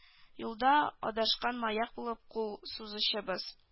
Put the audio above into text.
Юлда адашкан маяк булып кул сузучыбыз